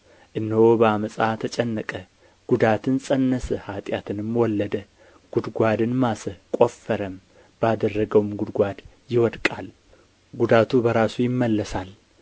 እነሆ በዓመፃ ተጨነቀ ጉዳትን ፀነሰ ኃጢአትንም ወለደ ጕድጓድን ማሰ ቈፈረም ባደረገውም ጕድጓድ ይወድቃል ጉዳቱ በራሱ ይመለሳል